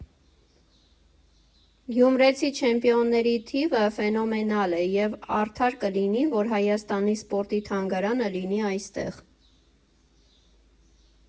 Գյումրեցի չեմպիոնների թիվը ֆենոմենալ է, և արդար կլինի, որ Հայաստանի սպորտի թանգարանը լինի այստեղ։